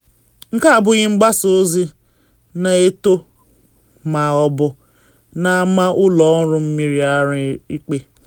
Nke a abụghị mgbasa ozi na eto ma ọ bụ na ama ụlọ ọrụ mmiri ara ikpe.”